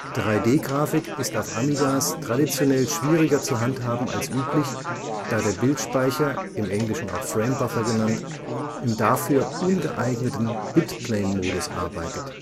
3D-Grafik ist auf Amigas traditionell schwieriger zu handhaben als üblich, da der Bildspeicher (engl. Framebuffer) im dafür ungeeigneten Bitplane-Modus arbeitet